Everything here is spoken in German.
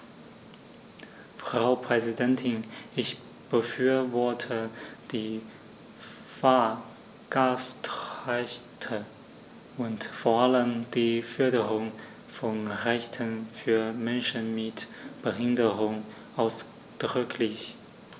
Frau Präsidentin, ich befürworte die Fahrgastrechte und vor allem die Förderung von Rechten für Menschen mit Behinderung ausdrücklich.